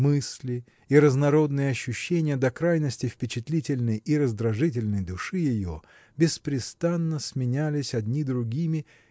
Мысли и разнородные ощущения до крайности впечатлительной и раздражительной души ее беспрестанно сменялись одни другими